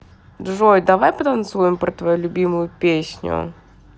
джой давай потанцуем про твою любимую песню